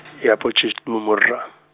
ya Potchefstroom .